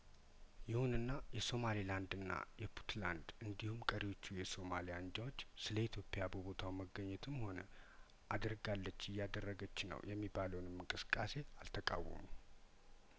ይሁንና የሶማሌ ላንድና የፑትላንድ እንዲሁም ቀሪዎቹ የሶማሊያ አንጃዎች ስለኢትዮፕያበቦታው መገኘትም ሆነ አድርጋለች እያደረገች ነው የሚባለውንም እንቅስቃሴ አልተቃወሙም